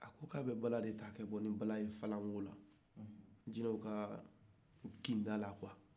a ko k'a bɛ bala de ta ka bɔ ni a ye tu kɔnɔ jinɛw ka kin na quoi